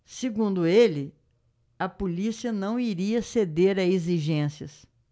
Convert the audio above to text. segundo ele a polícia não iria ceder a exigências